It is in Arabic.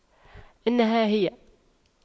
أنها هي